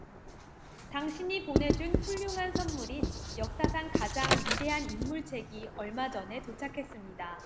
당신이 보내 준 훌륭한 선물인 역사상 가장 위대한 인물 책이 얼마 전에 도착했습니다